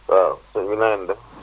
waaw sëñ bi na ngeen def